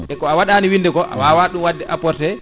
eko a waɗani winde ko awawa ɗum wadde apporté